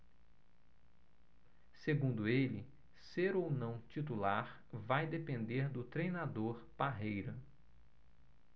segundo ele ser ou não titular vai depender do treinador parreira